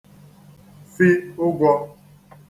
fi ụgwọ̄